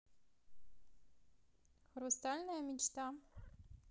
хрустальная мечта